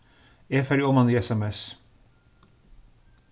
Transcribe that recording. eg fari oman í sms